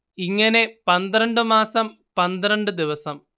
ഇങ്ങനെ പന്ത്രണ്ട് മാസം പന്ത്രണ്ട് ദിവസം